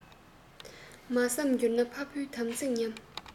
མ བསམས གྱུར ན ཕ བུའི དམ ཚིགས ཉམས